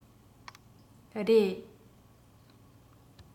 རེད